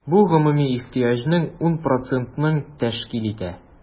Бу гомуми ихтыяҗның 10 процентын тәшкил итә.